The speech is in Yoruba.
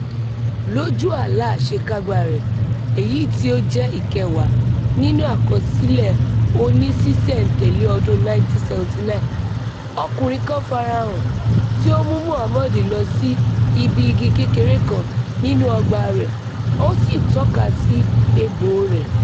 Lójú àláa àsèkágbáa rẹ̀, èyí tí ó jẹ́ ìkẹwàá nínú àkọsílẹ̀ oníṣísẹ̀ntẹ̀lé ọdún-un 1979, ọkùnrin kan fara hàn tí ó mú Mohammed lọ sí ibi igi kékeré kan nínúu ọgbàa rẹ̀, ó sì tọ́ka sí egbòo rẹ̀.